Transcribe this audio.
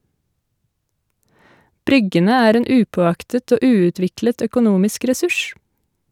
Bryggene er en upåaktet og uutviklet økonomisk ressurs.